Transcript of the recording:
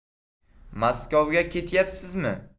maskovga ketyapsizmi